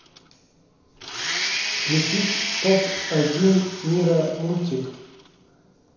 включить топ один мира мультик